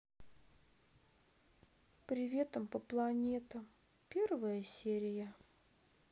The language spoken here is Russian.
приветом по планетам первая серия